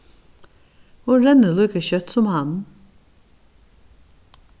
hon rennur líka skjótt sum hann